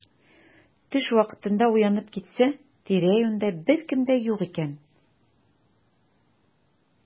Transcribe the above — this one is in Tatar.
Төш вакытында уянып китсә, тирә-юньдә беркем дә юк икән.